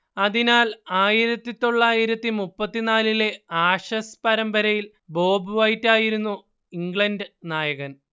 അതിനാൽ ആയിരത്തിതൊള്ളായിരത്തി മുപ്പത്തിനാലിലെ ആഷസ് പരമ്പരയിൽ ബോബ് വൈറ്റ് ആയിരുന്നു ഇംഗ്ലണ്ട് നായകൻ